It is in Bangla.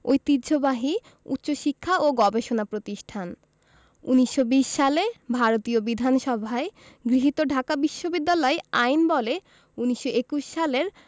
ঐতিহ্যবাহী উচ্চশিক্ষা ও গবেষণা প্রতিষ্ঠান ১৯২০ সালে ভারতীয় বিধানসভায় গৃহীত ঢাকা বিশ্ববিদ্যালয় আইনবলে ১৯২১ সালের